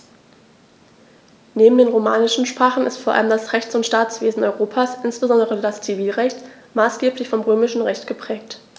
Neben den romanischen Sprachen ist vor allem das Rechts- und Staatswesen Europas, insbesondere das Zivilrecht, maßgeblich vom Römischen Recht geprägt.